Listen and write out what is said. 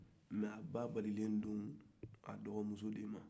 mais a ba nɔrɔna de ye a dɔgɔmuso ye